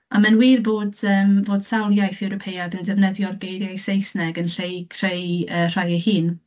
A mae'n wir bod, yym, bod sawl iaith Ewropeaidd yn defnyddio'r geiriau Saesneg yn lle i creu, yy, rhai ei hun.